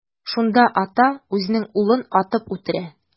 Шунда ата үзенең улын атып үтерә.